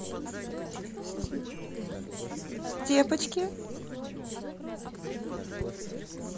степочки